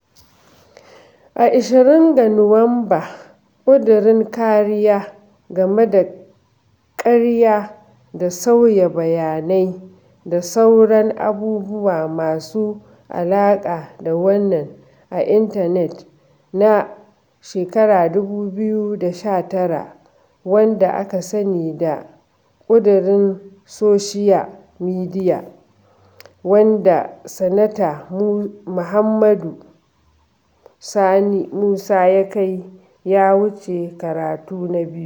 A 20 ga Nuwamba, kudirin kariya game da ƙarya da sauya bayanai da sauran abubuwa masu a alaƙa da wannan a intanet na 2019, wanda aka sani da "kudirin soshiya mediya" wanda sanata Mohammed Sani Musa ya kai, ya wuce karatu na biyu.